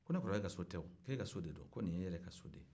ko ne kɔrɔkɛ ka so tɛ o k'e ka so de don ko nin y'i yɛrɛ ka so de ye